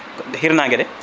ko hirnangue de